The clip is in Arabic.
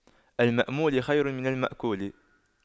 المأمول خير من المأكول